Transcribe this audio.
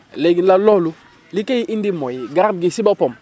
léegi loolu li koy indi mooy garab gi si boppam